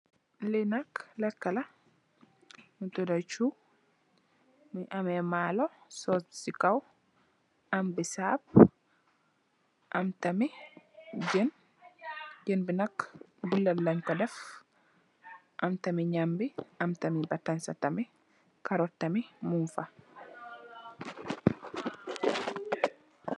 Li nak lekka la mungii tuda cuu, mungii ameh maalo sóós ci kaw am bisaab am tamit jén, jén bi nak buleet Len ko dèf am tamit ñambi am tamit batansè, karot tamit mung fa.